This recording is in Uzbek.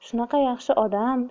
shunaqa yaxshi odam